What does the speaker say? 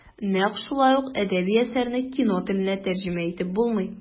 Нәкъ шулай ук әдәби әсәрне кино теленә тәрҗемә итеп булмый.